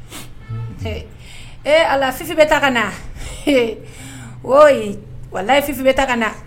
He ee Ala Fifi bɛ taa kana wooyi walayi Fifi bɛ ta kana